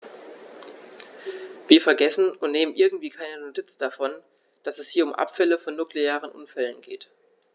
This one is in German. Wir vergessen, und nehmen irgendwie keine Notiz davon, dass es hier um Abfälle von nuklearen Unfällen geht.